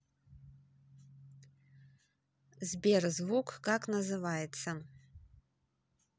сбер звук как называется